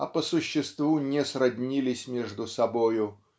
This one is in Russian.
а по существу не сроднились между собою